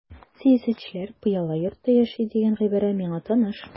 Сәясәтчеләр пыяла йортта яши дигән гыйбарә миңа таныш.